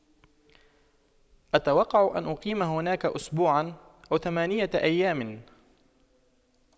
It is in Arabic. أتوقع أن اقيم هناك أسبوعا وثمانية أيام